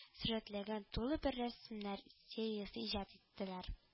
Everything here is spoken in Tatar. Сурәтләгән тулы бер рәсемнәр сериясе иҗат иттеләр